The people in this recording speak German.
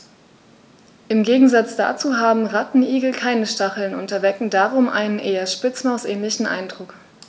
Im Gegensatz dazu haben Rattenigel keine Stacheln und erwecken darum einen eher Spitzmaus-ähnlichen Eindruck.